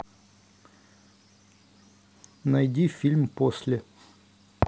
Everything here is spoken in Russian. найди фильм после